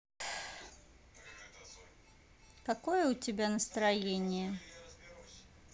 какое у тебя настроение